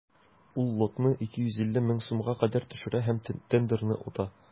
Ул лотны 250 мең сумга кадәр төшерә һәм тендерны ота.